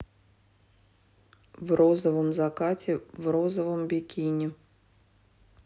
в розовом закате в розовом бикини